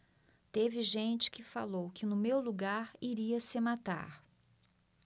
teve gente que falou que no meu lugar iria se matar